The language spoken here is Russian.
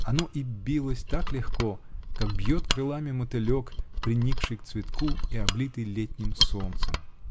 Оно и билось так легко, как бьет крылами мотылек, приникший к цветку и облитый летним солнцем.